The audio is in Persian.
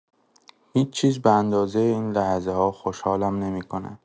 هیچ‌چیز به اندازۀ این لحظه‌ها خوشحالم نمی‌کنه.